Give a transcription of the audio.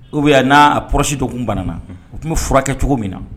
U bɛ n'a pɔsi dɔ banna u tun bɛ furakɛ cogo min na